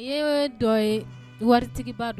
Ye o dɔ ye waritigiba don